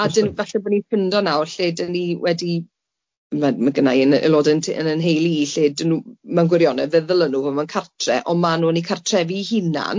A 'dan falle bod ni'n ffindo nawr lle 'dan ni wedi ma' ma' gynna i yn aelode yn t- yn y nheulu i lle 'dyn n'w mewn gwirionedd fe ddyle n'w fod mewn cartre ond ma' n'w yn eu cartrefi eu hunan